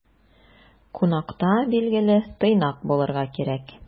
Кунакта, билгеле, тыйнак булырга кирәк.